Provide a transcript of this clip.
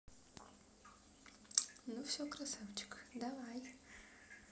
ну все красавчик давай